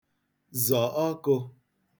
zọ ọkụ̄